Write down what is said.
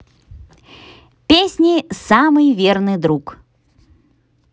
песни самый верный друг